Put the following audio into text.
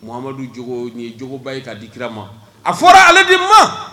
Madu j ye jba ye k'a di kirara ma a fɔra ale de ma